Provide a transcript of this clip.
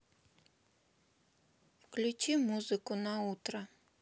включи музыку на утро